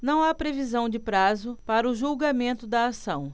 não há previsão de prazo para o julgamento da ação